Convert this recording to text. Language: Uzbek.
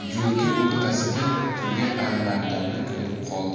yo'lka o'rtasida turgan alimardonni ko'rib qoldi